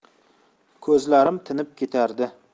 ko'zlarim tinib ketardi